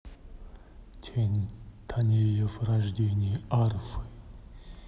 танеев рождение арфы